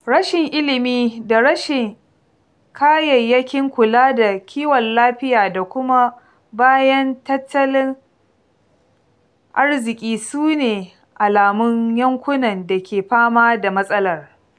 Rashin ilimi da rashin kayayyakin kula da kiwon lafiya da koma bayan tattalin arziƙi su ne alamun yankunan da ke fama da matsalar.